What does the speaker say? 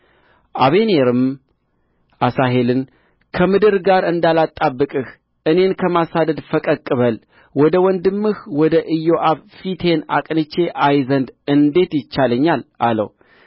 አበኔርም አሣሄልን ከምድር ጋር እንዳላጣብቅህ እኔን ከማሳደድ ፈቀቅ በል ወደ ወንድምህ ወደ ኢዮአብ ፊቴን አቅኝቼ አይ ዘንድ እንዴት ይቻለኛል አለው